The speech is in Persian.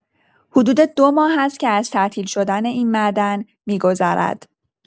حدود ۲ ماه است که از تعطیل شدن این معدن می‌گذرد.